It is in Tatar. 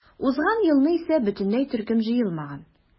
Узган елны исә бөтенләй төркем җыелмаган.